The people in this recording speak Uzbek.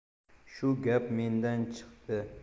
shu gap mendan chiqdi